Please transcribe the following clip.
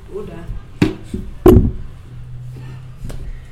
O da